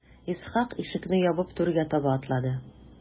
Исхак ишекне ябып түргә таба атлады.